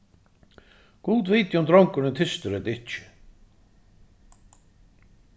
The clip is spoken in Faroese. gud viti um drongurin er tystur ella ikki